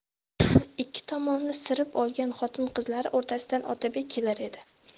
ikki tomonni sirib olgan xotin qizlar o'rtasidan otabek kelar edi